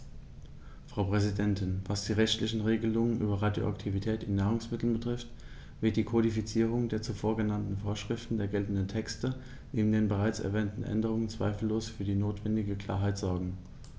Frau Präsidentin, was die rechtlichen Regelungen über Radioaktivität in Nahrungsmitteln betrifft, wird die Kodifizierung der zuvor genannten Vorschriften der geltenden Texte neben den bereits erwähnten Änderungen zweifellos für die notwendige Klarheit sorgen.